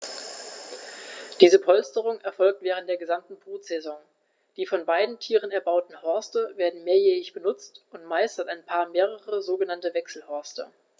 Diese Polsterung erfolgt während der gesamten Brutsaison. Die von beiden Tieren erbauten Horste werden mehrjährig benutzt, und meist hat ein Paar mehrere sogenannte Wechselhorste.